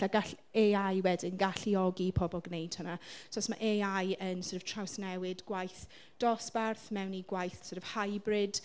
A gall AI wedyn galluogi pobl gwneud hwnna. So os ma' AI yn sort of trawsnewid gwaith dosbarth mewn i gwaith sort of hybrid .